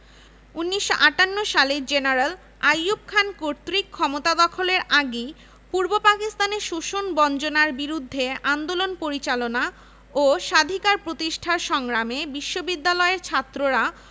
১৯৫৮ সালে জেনারেল আইয়ুব খান কর্তৃক ক্ষমতা দখলের আগেই পূর্ব পাকিস্তানে শোষণ বঞ্চনার বিরুদ্ধে আন্দোলন পরিচালনা ও স্বাধিকার প্রতিষ্ঠার সংগ্রামে বিশ্ববিদ্যালয়ের ছাত্ররা